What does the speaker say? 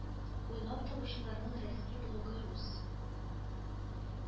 Уйлап табучыларның рәсми блогы рус